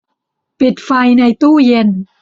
ปิดไฟในตู้เย็น